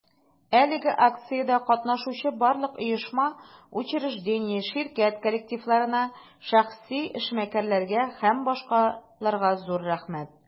Әлеге акциядә катнашучы барлык оешма, учреждение, ширкәт коллективларына, шәхси эшмәкәрләргә һ.б. зур рәхмәт!